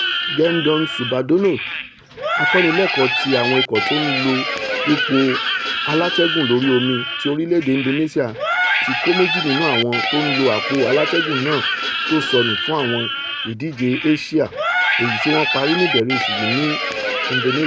Gendon Subandono, akọ́nilẹ́kọ̀ọ́ ti àwọn ikọ̀ tó ńlo àpò-alátẹ́gùn lórí omi ti orílẹ̀-èdè Indonesia, ti kọ́ méjì nínú àwọn tó ń lo àpò-alátẹgùn náà tó ṣọnù fún Àwọn Ìdíje Asia, èyití wọ́n parí ní ìbẹ̀rẹ̀ oṣù yìí ní Indonesia.